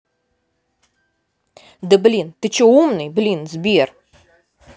да блин ты че умный блин сбер